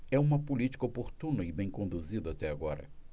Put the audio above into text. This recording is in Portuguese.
é uma política oportuna e bem conduzida até agora